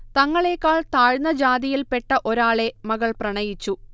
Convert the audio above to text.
തങ്ങളേക്കാൾ താഴ്ന്ന ജാതിയിൽെപ്പട്ട ഒരാെള മകൾ പ്രണയിച്ചു